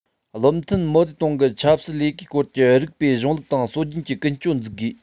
བློ མཐུན མའོ ཙེ ཏུང གི ཆབ སྲིད ལས ཀའི སྐོར གྱི རིགས པའི གཞུང ལུགས དང སྲོལ རྒྱུན གྱི ཀུན སྤྱོད འཛུགས དགོས